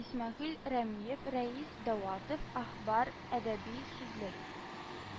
Исмәгыйль Рәмиев, Рәис Даутов «ӘХБАР» Әдәби сүзлек